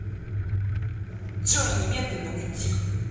джой немедленно уйди